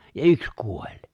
ja yksi kuoli